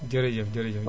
jërëjëf jërëjëf